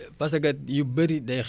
fekk information météo bi